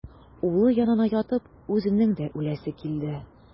Улы янына ятып үзенең дә үләсе килде.